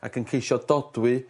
ac yn ceisio dodwy